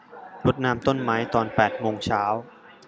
รดน้ำต้นไม้ตอนแปดโมงเช้า